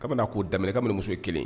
Kabini k'o k kabini muso ye kelen